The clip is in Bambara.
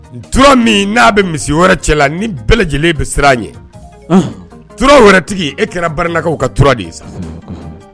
nin tura min n'a bɛ misi wɛrɛ cɛ la ni bɛɛ lajɛlen bɛ siran a ɲɛ tura wɛrɛ tigi e kɛra barilakaw ka tura de ye sa